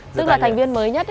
tức là thành viên mới nhất ý